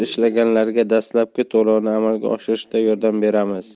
ishlaganlariga dastlabki to'lovini amalga oshirishda yordam beramiz